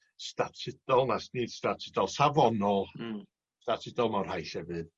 statudol na s- nid statudol safonol... Hmm. statudol mewn rhai llefydd